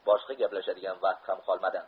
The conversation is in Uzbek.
boshqa gaplashadigan vaqt ham qolmadi